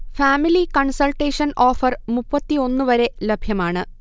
family consultation offer മുപ്പത്തി ഒന്ന് വരെ ലഭ്യമാണ്